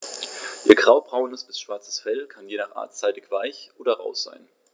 Ihr graubraunes bis schwarzes Fell kann je nach Art seidig-weich oder rau sein.